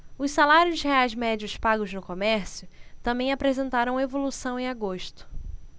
os salários reais médios pagos no comércio também apresentaram evolução em agosto